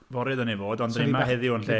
Fory oedden ni fod, ond dan ni yma heddiw yn lle.